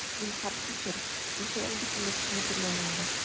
Зинһар, кичер, ничә ел бит инде сезне күрмәгәнгә!